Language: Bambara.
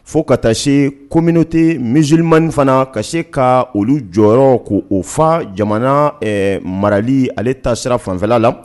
Fo ka taa se komte minzirimaniin fana ka se ka olu jɔyɔrɔ k' ofa jamana marali ale tasira fanfɛla la